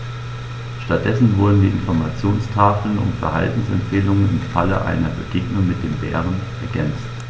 Stattdessen wurden die Informationstafeln um Verhaltensempfehlungen im Falle einer Begegnung mit dem Bären ergänzt.